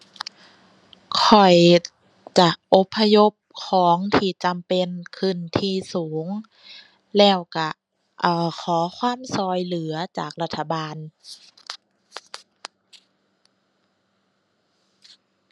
ข้อยจะอพยพของที่จำเป็นขึ้นที่สูงแล้วก็ เอ่อ ขอความก็เหลือจากรัฐบาล